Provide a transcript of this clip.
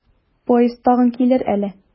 Поезд тагын килер әле.